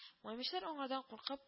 Маймычлар анардан куркып